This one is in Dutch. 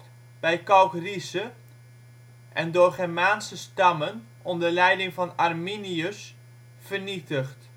Kalkriese en door Germaanse stammen onder leiding van Arminius vernietigd